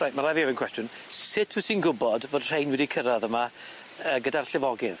Reit ma' raid fi ofyn cwestiwn sut wyt ti'n gwbod fod rhein wedi cyrradd yma yy gyda'r llifogydd?